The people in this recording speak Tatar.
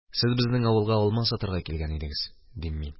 Сез безнең авылга алма сатарга килгән идегез, – дим мин.